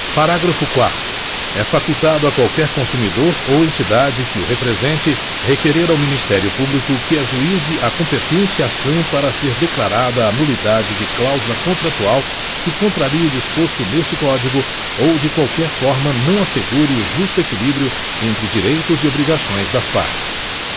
parágrafo quarto é facultado a qualquer consumidor ou entidade que o represente requerer ao ministério público que ajuíze a competente ação para ser declarada a nulidade de cláusula contratual que contrarie o disposto neste código ou de qualquer forma não assegure o justo equilíbrio entre direitos e obrigações das partes